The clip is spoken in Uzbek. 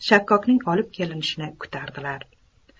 shakkokning olib kelinishini kutar edilar